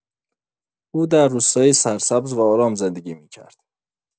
او در روستایی سرسبز و آرام زندگی می‌کرد.